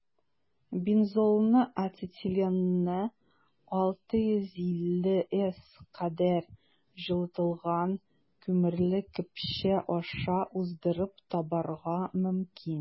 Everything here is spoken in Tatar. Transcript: Бензолны ацетиленны 650 С кадәр җылытылган күмерле көпшә аша уздырып табарга мөмкин.